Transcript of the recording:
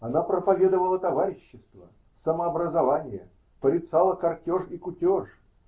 Она проповедовала товарищество, самообразование, порицала картеж и кутеж.